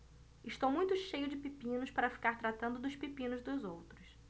estou muito cheio de pepinos para ficar tratando dos pepinos dos outros